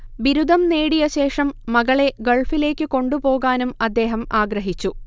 ബിരുദം നേടിയശേഷം മകളെ ഗൾഫിലേക്കു കൊണ്ടുപോകാനും അദ്ദേഹം ആഗ്രഹിച്ചു